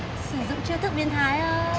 sử dụng chiêu thức biến thái ơ